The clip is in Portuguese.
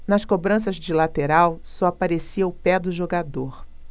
nas cobranças de lateral só aparecia o pé do jogador